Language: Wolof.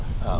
waaw